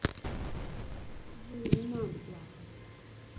скажи не надо плакать